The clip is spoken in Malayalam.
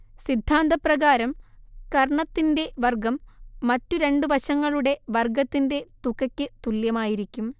സിദ്ധാന്തപ്രകാരം കർണ്ണത്തിന്റെ വർഗ്ഗം മറ്റുരണ്ടുവശങ്ങളുടെ വർഗ്ഗത്തിന്റെ തുകക്ക് തുല്യമായിരിക്കും